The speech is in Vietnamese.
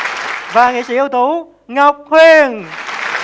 và nghệ sĩ ưu tú ngọc huyền